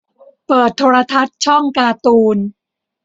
เปิดโทรทัศน์ช่องการ์ตูน